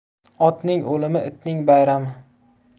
otning o'limi itning bayrami